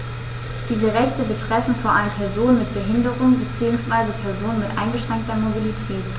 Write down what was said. Diese Rechte betreffen vor allem Personen mit Behinderung beziehungsweise Personen mit eingeschränkter Mobilität.